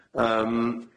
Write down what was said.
Yym.